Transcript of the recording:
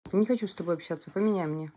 я не хочу с тобой общаться поменяй мне